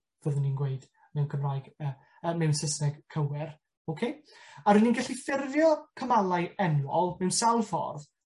fyddwn ni'n gweud mewn Cymraeg yy yy mewn Sysneg cywir, oce? A ry'n ni'n gallu ffurfio cymalau enwol mewn sawl ffordd.